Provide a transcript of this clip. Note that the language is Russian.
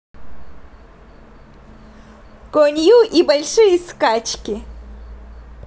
конью и большие скачки